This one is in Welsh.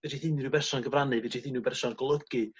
fedrith unryw berson gyfrannu fedrith unryw berson golygu